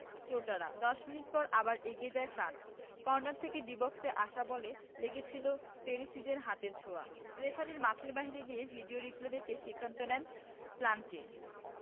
ক্রোটরা ১০ minute পর আবার এগিয়ে যায় ফ্রান্স কর্নার থেকে ডি বক্সে আসা বলে লেগেছিল পেরিসিচের হাতের ছোঁয়া রেফারি মাঠের বাইরে গিয়ে ভিডিও রিপ্লে দেখে সিদ্ধান্ত দেন পেনাল্টির